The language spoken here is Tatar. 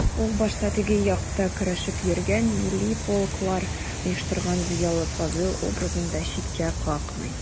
Ул башта «теге як»та көрәшеп йөргән, милли полклар оештырган зыялы Фазыйл образын да читкә какмый.